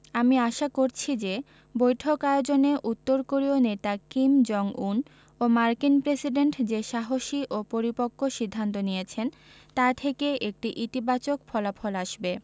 আমি আশা করছি যে বৈঠক আয়োজনে উত্তর কোরীয় নেতা কিম জং উন ও মার্কিন প্রেসিডেন্ট যে সাহসী ও পরিপক্ব সিদ্ধান্ত নিয়েছেন তা থেকে একটি ইতিবাচক ফলাফল আসবে